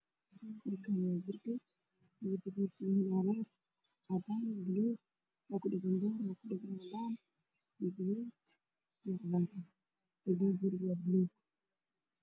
Meeshaan waxaa iiga muuqda sawir maqaayad waana makhaayad cagaar iyo caddaan isku jiro ayaa ku kor ku dhigaan waxaana ku qoran greenland